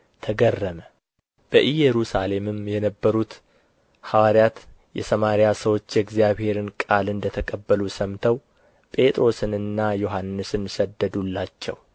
ተገረመ በኢየሩሳሌምም የነበሩት ሐዋርያት የሰማርያ ሰዎች የእግዚአብሔርን ቃል እንደተቀበሉ ሰምተው ጴጥሮስንና ዮሐንስን ሰደዱላቸው